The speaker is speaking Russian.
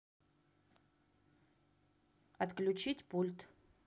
отключить пульт